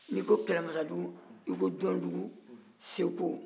n'i ko kɛlɛmasadugu i ko dɔnnidugu seko